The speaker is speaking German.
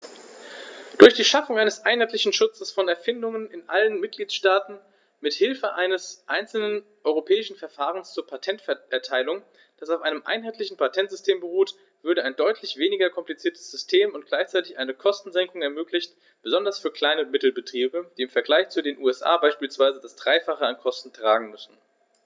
Durch die Schaffung eines einheitlichen Schutzes von Erfindungen in allen Mitgliedstaaten mit Hilfe eines einzelnen europäischen Verfahrens zur Patenterteilung, das auf einem einheitlichen Patentsystem beruht, würde ein deutlich weniger kompliziertes System und gleichzeitig eine Kostensenkung ermöglicht, besonders für Klein- und Mittelbetriebe, die im Vergleich zu den USA beispielsweise das dreifache an Kosten tragen müssen.